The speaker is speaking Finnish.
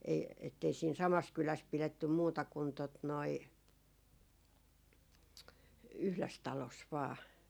ei että ei siinä samassa kylässä pidetty muuta kuin tuota noin yhdessä talossa vain